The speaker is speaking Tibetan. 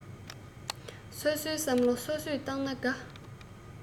སོ སོའི བསམ བློ སོ སོས བཏང ན དགའ